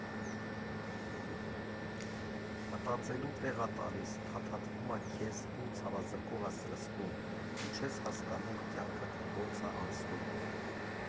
Մտածելու տեղ ա տալիս, փաթաթվում ա քեզ ու ցավազրկող ա սրսկում, ու չես հասկանում, կյանքդ ոնց ա անցնում։